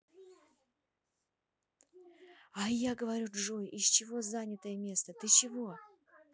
a я говорю джой из чего занятое место ты чего